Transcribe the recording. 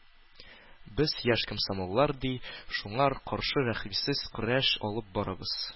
Без, яшь комсомоллар, ди, шуңар каршы рәхимсез көрәш алып барабыз.